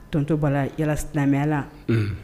Tonto bala la yala silamɛyala